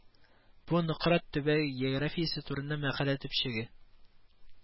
Бу Нократ төбәге географиясе турында мәкалә төпчеге